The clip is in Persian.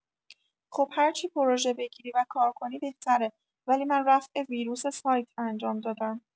خب هرچی پروژه بگیری و کار کنی بهتره ولی من رفع ویروس سایت انجام دادم.